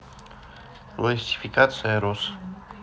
классификация роз